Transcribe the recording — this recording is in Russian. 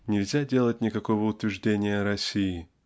нельзя делать никакого утверждения о России